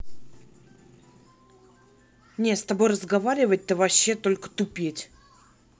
не с тобой разговаривать то вообще только тупеть